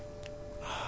mën nañ ko sàcc